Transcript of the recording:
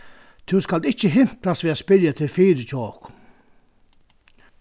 tú skalt ikki himprast við at spyrja teg fyri hjá okkum